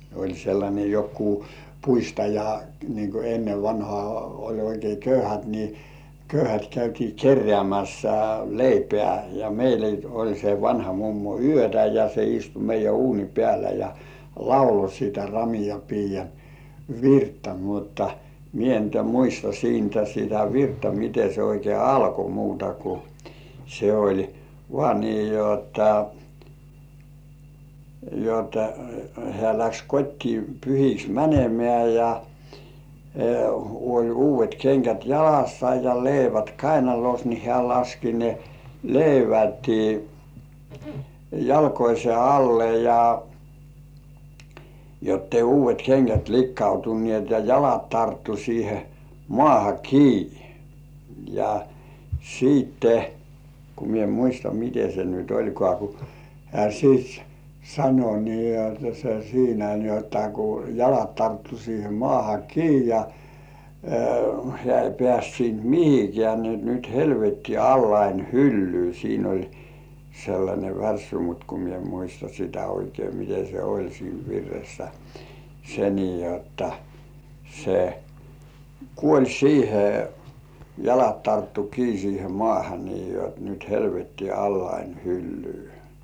oli sellainen joku puistaja niin kun ennen vanhaan oli oikein köyhät niin köyhät käytiin keräämässä leipää ja - oli se vanha mummo yötä ja se istui meidän uunin päällä ja lauloi sitä - ramian piian virttä mutta minä nyt en muista siitä sitä virttä miten se oikein alkoi muuta kuin se oli vain niin jotta jotta hän lähti kotiin pyhiksi menemään ja oli uudet kengät jalassa ja leivät kainalossa niin hän laski ne leivät jalkojensa alle ja jotta ei uudet kengät likaantuneet ja jalat tarttui siihen maahan kiinni ja sitten kun minä en muista miten se nyt olikaan kun hän sitten - sanoi niin jotta se siinä niin jotta kun jalat tarttui siihen maahan kiinni ja hän ei päässyt siitä mihinkään niin jotta nyt helvetti allani hyllyy siinä oli sellainen värssy mutta kun minä en muista sitä oikein miten se oli siinä virressä se niin jotta se kuoli siihen jalat tarttui kiinni siihen maahan niin jotta nyt helvetti allani hyllyy